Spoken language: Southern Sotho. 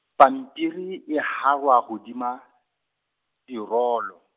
pampiri, e hara hodima, dirolo.